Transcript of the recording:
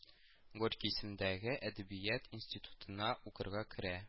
Горький исемендәге Әдәбият институтына укырга керә